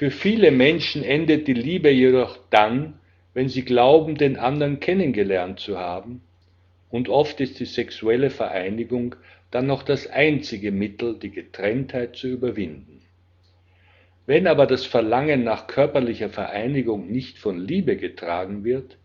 viele Menschen endet die Liebe jedoch dann, wenn sie glauben, den anderen kennengelernt zu haben, und oft ist die sexuelle Vereinigung dann noch das einzige Mittel, die Getrenntheit zu überwinden. Wenn aber das Verlangen nach körperlicher Vereinigung nicht von Liebe getragen wird